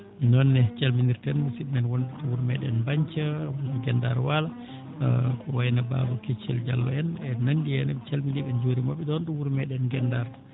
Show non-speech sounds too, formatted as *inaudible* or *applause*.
noon ne calminirten musidɓe men wonɓe wuro meeɗen Bañcaa NGenndar Waalo *hesitation* ko wayi no Baaba Keccel Diallo en e ko nanndi heen en calminii ɓe en njuuriima ɓe ɗoon ɗo wuro meeɗen NGenndaar